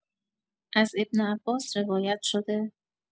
از ابن‌عباس روایت شده